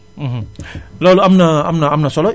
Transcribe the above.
loolu am na am na am na solo